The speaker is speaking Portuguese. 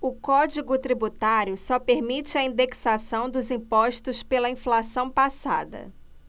o código tributário só permite a indexação dos impostos pela inflação passada